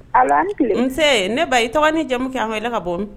Allo a' ni tile nsee ne ba i tɔgɔ n'i jamu k'an weele ka bɔ min